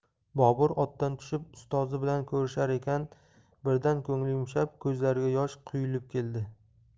bobur otdan tushib ustozi bilan ko'rishar ekan birdan ko'ngli yumshab ko'zlariga yosh quyilib keldi